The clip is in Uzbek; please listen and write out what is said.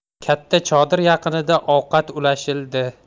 katta chodir yaqinida ovqat ulashildi